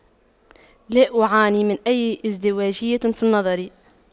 لا أعاني من أي ازدواجية في النظر